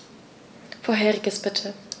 Vorheriges bitte.